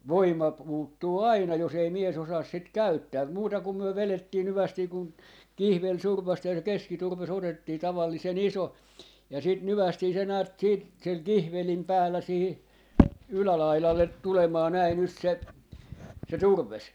voima puuttuu aina jos ei mies osaa sitä käyttää muuta kun me vedettiin hyvästi kun kihveli survaistiin ja se keskiturve otettiin tavallisen iso ja sitten nykäistiin se näet siitä sillä kihvelin päällä siihen ylälaidalle tulemaan näin nyt se se turve